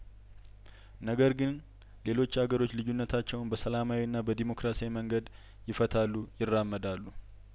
ነገር ግን ሌሎች አገሮች ልዩነቶቻቸውን በሰላማዊና ዲሞክራሲያዊ መንገድ ይፈታሉ ይራምዳሉ